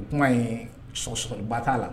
U kuma ɲi sɔ sɔba t'a la